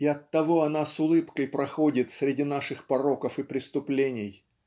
и оттого она с улыбкой проходит среди наших пороков и преступлений